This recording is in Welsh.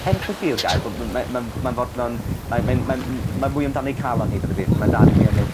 empathi yw'r gair f- ma' me- ma'n ma'n fodlon mae'n mae'n ma'n m- m- mae mwy amdan eu calon hi fath o beth a ma' dad mwy am ei